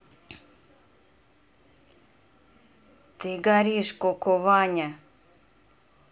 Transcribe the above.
ты горишь коко ваня